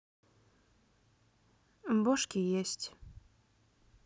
бошки есть